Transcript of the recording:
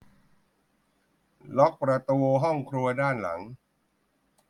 ล็อกประตูห้องครัวด้านหลัง